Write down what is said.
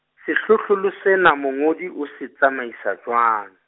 sehlohlolo sena mongodi o se tsamaisa jwang?